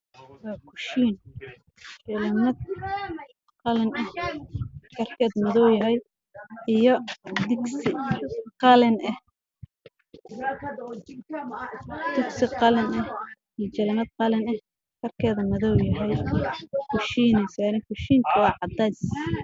Waa digsi dabka saran midabkiis yahay qaliin